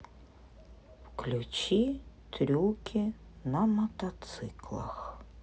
включи трюки на мотоциклах